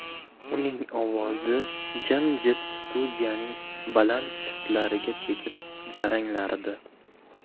uning ovozi jim jit studiyaning baland shiftlariga tegib jaranglardi